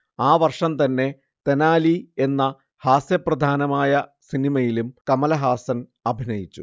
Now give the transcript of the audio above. ആ വർഷം തന്നെ തെനാലി എന്ന ഹാസ്യപ്രധാനമായ സിനിമയിലും കമലഹാസൻ അഭിനയിച്ചു